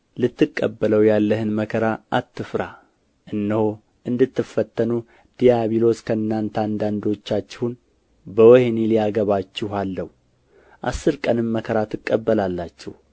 ልትቀበለው ያለህን መከራ አትፍራ እነሆ እንድትፈተኑ ዲያብሎስ ከእናንተ አንዳንዶቻችሁን በወኅኒ ሊያገባችሁ አለው አሥር ቀንም መከራን ትቀበላላችሁ